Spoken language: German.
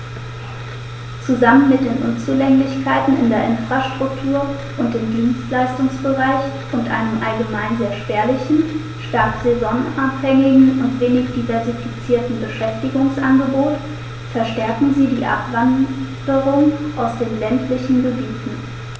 Zusammen mit den Unzulänglichkeiten in der Infrastruktur und im Dienstleistungsbereich und einem allgemein sehr spärlichen, stark saisonabhängigen und wenig diversifizierten Beschäftigungsangebot verstärken sie die Abwanderung aus den ländlichen Gebieten.